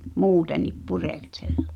muutenkin pureskella